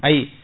ayi